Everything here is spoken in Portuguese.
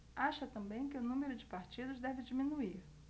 acha também que o número de partidos deve diminuir